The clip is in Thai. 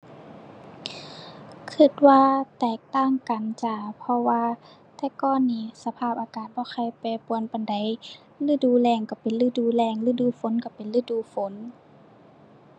คิดว่าแตกต่างกันจ้า เพราะว่าแต่ก่อนนี่สภาพอากาศบ่ค่อยแปรปรวนปานใด ฤดูแล้งคิดเป็นฤดูแล้ง ฤดูฝนคิดเป็นฤดูฝน